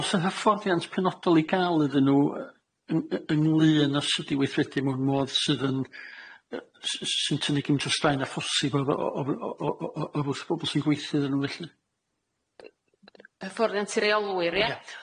O- o's a hyfforddiant penodol i ga'l iddyn nhw yy yng- yng- ynglŷn â s- ydi weithrediad mewn modd sydd yn yy s- s- sy'n tynnu gymaint o straen â phosib o- o- o- o- o- o- o- wrth bobl sy'n gweithio iddyn nhw felly? Hyfforddiant i reolwyr ia?